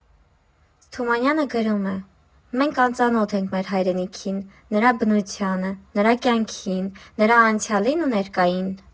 Թումանյանը գրում է՝ «Մենք անծանոթ ենք մեր հայրենիքին, նրա բնությանը, նրա կյանքին, նրա անցյալին ու ներկային։